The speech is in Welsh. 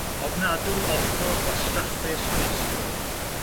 Ofnadwy awful gwastraffus wastefull.